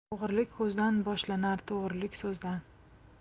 o'g'rilik ko'zdan boshlanar to'g'rilik so'zdan